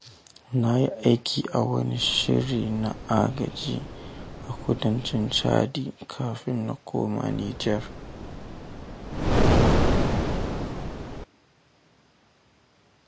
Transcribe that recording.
Na yi aiki a wani shiri na agaji a Kudancin Chadi kafin na koma Nijar.